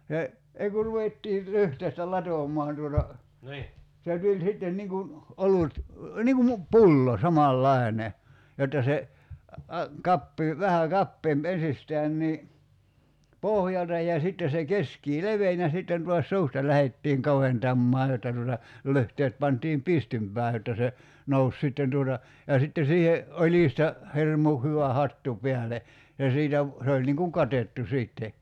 se ei kun ruvettiin lyhteistä latomaan tuota se tuli sitten niin kuin olut niin kun - pullo samanlainen jotta se kapea vähän kapeampi ensistään niin pohjalta ja sitten se keskeen leveni ja sitten taas suusta lähdettiin kaventamaan jotta tuota lyhteet pantiin pystympään jotta se nousi sitten tuota ja sitten siihen oljista hirmu hyvä hattu päälle ja siitä - se oli niin kuin katettu sitten